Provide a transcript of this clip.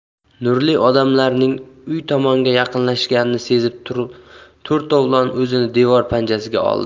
nurli odamlarning uy tomonga yaqinlashganini sezib to'rtovlon o'zini devor panasiga oldi